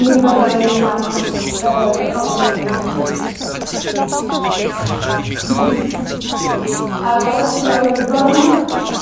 mi fydda i'n dangos yr olygfa i chi. Ar ôl troi'r gornel,